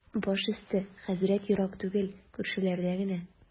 Баш өсте, хәзрәт, ерак түгел, күршедә генә.